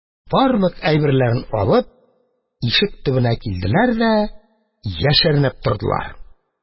Барлык әйберләрен алып, ишек төбенә килделәр дә яшеренеп тордылар.